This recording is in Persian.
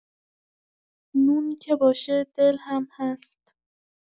نون که باشه، دل هم هست.